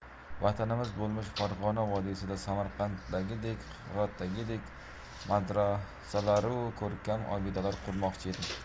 vatanimiz bo'lmish farg'ona vodiysida samarqanddagidek hirotdagidek madrasalaru ko'rkam obidalar qurmoqchi edim